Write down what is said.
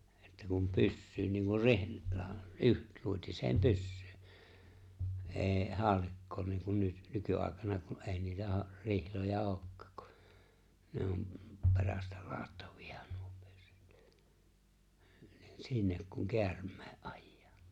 että kun pyssyyn niin kuin -- yksiluotiseen pyssyyn ei haulikkoon niin kuin nyt nykyaikana kun ei niitä - rihloja olekaan kun ne on perästä ladattavia nyt pyssyt niin sinne kun käärmeen ajaa